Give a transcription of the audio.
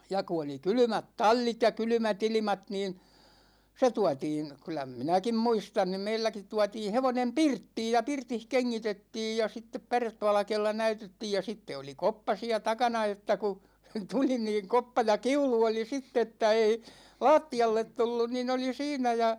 ja kun oli kylmät tallit ja kylmät ilmat niin se tuotiin kyllä minäkin muistan niin meilläkin tuotiin hevonen pirttiin ja pirtissä kengitettiin ja sitten pärevalkealla näytettiin ja sitten oli koppa siellä takana että kun tuli niin koppa ja kiulu oli sitten että ei lattialle tullut niin oli siinä ja